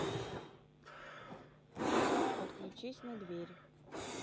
подключись на дверь